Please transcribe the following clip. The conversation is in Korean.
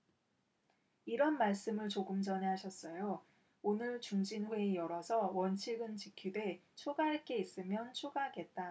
이런 말씀을 조금 전에 하셨어요 오늘 중진회의 열어서 원칙은 지키되 추가할 게 있으면 추가하겠다